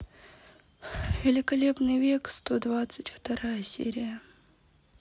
великолепный век сто двадцать вторая серия